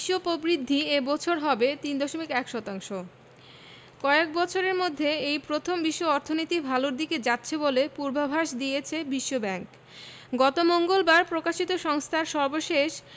বিশ্ব প্রবৃদ্ধি এ বছর হবে ৩.১ শতাংশ কয়েক বছরের মধ্যে এই প্রথম বিশ্ব অর্থনীতি ভালোর দিকে যাচ্ছে বলে পূর্বাভাস দিয়েছে বিশ্বব্যাংক গত মঙ্গলবার প্রকাশিত সংস্থার সর্বশেষ